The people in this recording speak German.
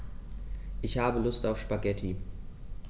Ich habe Lust auf Spaghetti.